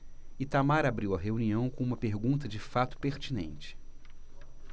itamar abriu a reunião com uma pergunta de fato pertinente